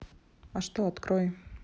а что открой